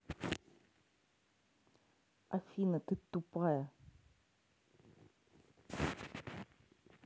афина ты тупая